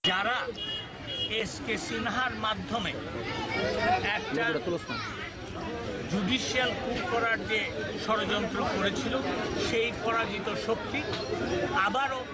যারা S K সিনহার মাধ্যমে একটা জুডিশিয়াল ক্যু করার যে ষড়যন্ত্র করেছিল সেই পরাজিত শক্তি আবারো